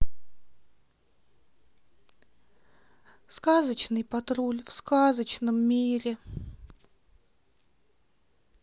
сказочный патруль в сказочном мире